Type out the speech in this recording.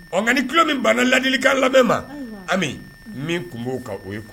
Ɔ nka ni tulolo min banna ladili ka labɛn ma ami min tun b'o' o ye kun